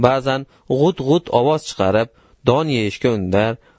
ba'zan g'ut g'ut ovoz chiqarib don yeyishga undar